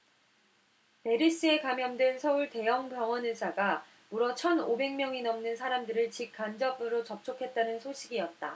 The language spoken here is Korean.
메르스에 감염된 서울 대형 병원 의사가 무려 천 오백 명이 넘는 사람들을 직 간접으로 접촉했다는 소식이었다